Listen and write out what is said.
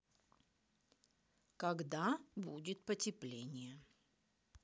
когда будет потепление